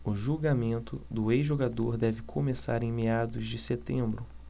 o julgamento do ex-jogador deve começar em meados de setembro